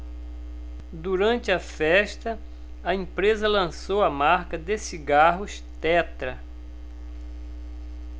durante a festa a empresa lançou a marca de cigarros tetra